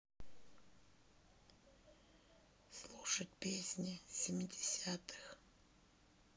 слушать песни семидесятых